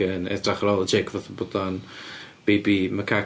Yn edrych ar ôl y chick fatha bod o'n baby macaque.